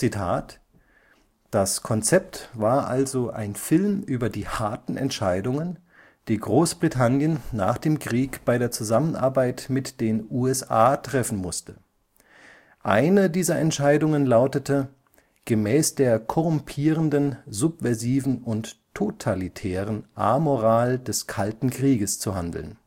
Das Konzept war also ein Film über die harten Entscheidungen, die Großbritannien nach dem Krieg bei der Zusammenarbeit mit den USA treffen musste. Eine dieser Entscheidungen lautete, gemäß der korrumpierenden, subversiven und ‚ totalitären ‘Amoral des Kalten Krieges zu handeln